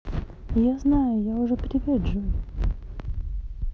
я знаю я уже привет джой